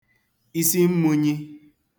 isi mmūnyī